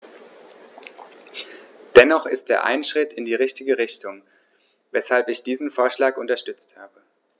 Dennoch ist er ein Schritt in die richtige Richtung, weshalb ich diesen Vorschlag unterstützt habe.